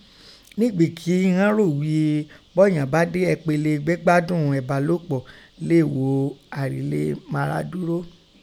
Nígbì kí í ghọ́n rò ghí i bọ́ọ̀yàn bá dé ẹ̀pele gbẹ́gbádùn ẹ̀bálòpọ̀ léè gho àrìlèmáradúró.